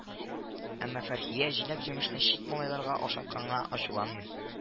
Әмма Фәрхия җиләк-җимешне чит малайларга ашатканга ачуланмый